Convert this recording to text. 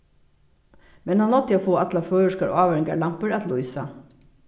men hann náddi at fáa allar føroyskar ávaringarlampur at lýsa